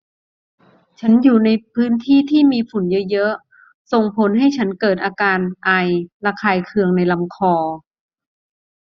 ฉันอยู่ในพื้นที่ที่มีฝุ่นเยอะเยอะส่งผลให้ฉันเกิดอาการไอระคายเคืองในลำคอ